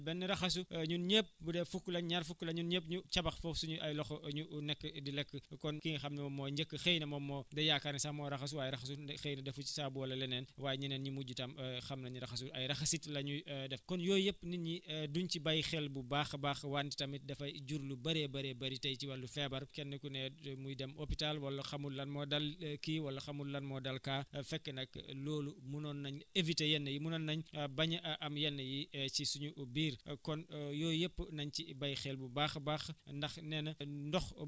wante ñun dañoo faral di def tam ci wàllu suñuy lekk dañuy jël benn raxasu ñun ñëpp bu dee fukk lañ ñaar fukk lañ ñun ñëpp ñu cabax foofu su ñuy ay loxo ñu nekk di lekk kon ki nga xam ne moom moo njëkk xëy na moom moo day yaakaar ne sax moo raxasu waaye raxasu xëy na def na si saabu wla leneen waaye ñeneen ñi mujj tam xam nañ ne raxasu ay raxasit la ñuy def kon yooyu yëpp nit ñi duñ ci bàyyi xel bu baax a baax wante tamit dafay jur lu bëree bëri bëri tey ci wàllu feebar kenn ku ne muy dem hopital wala xamul lan moo dal kii wala xamul lan moo dal kaa fekk nag loolu munoon nañ éviter yenn yi munoon nañ bañ a am yenn yi ci suñu biir